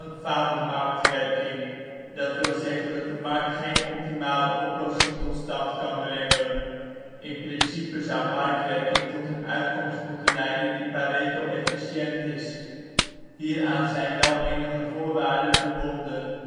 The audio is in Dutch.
faalt de marktwerking, dat wil zeggen dat de markt geen optimale oplossing tot stand kan brengen. In principe zou marktwerking tot een uitkomst moeten leiden die Pareto-efficiënt is. Hieraan zijn wel enige voorwaarden verbonden